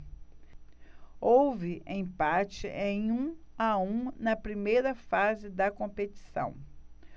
houve empate em um a um na primeira fase da competição